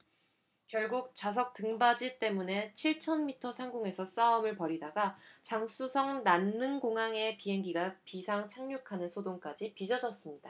결국 좌석 등받이 때문에 칠천 미터 상공에서 싸움을 벌이다가 장쑤성 난퉁공항에 비행기가 비상 착륙하는 소동까지 빚어졌습니다